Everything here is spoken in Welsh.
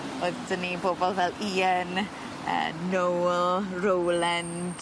oedd 'dyn ni bobol fel Ian yy Noel, Rowland.